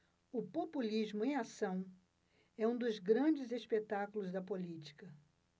o populismo em ação é um dos grandes espetáculos da política